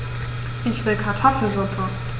Ich will Kartoffelsuppe.